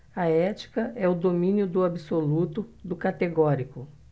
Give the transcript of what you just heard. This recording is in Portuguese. a ética é o domínio do absoluto do categórico